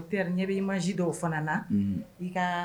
O teri ɲɛ bɛ i ma ji dɔw fana na i